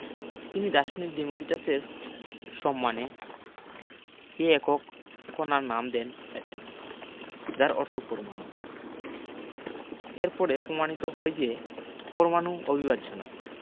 তিনি দার্শনিক ডেমোকিটাসের সম্মানে এ একক কণার নাম দেন Atom যার অর্থ পরমাণু এর পরে পমাণিত হয় যে পরমাণু অবিভাজ্য নয়